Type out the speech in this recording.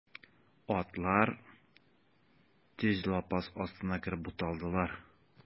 Атлар төз лапас астына кереп буталдылар.